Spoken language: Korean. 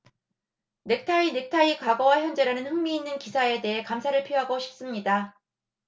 넥타이 넥타이 과거와 현재라는 흥미 있는 기사에 대해 감사를 표하고 싶습니다